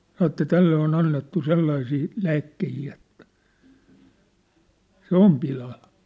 sanoi että tälle on annettu sellaisia lääkkeitä että se on pilalla